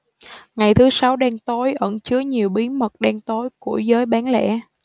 ngày thứ sáu đen tối ẩn chứa nhiều bí mật đen tối của giới bán lẻ